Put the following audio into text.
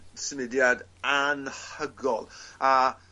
symudiad anhygol a